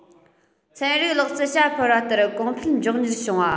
ཚན རིག ལག རྩལ བྱ འཕུར བ ལྟར གོང སྤེལ མགྱོགས མྱུར བྱུང བ